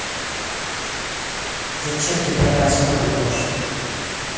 зачем ты повязку рвешь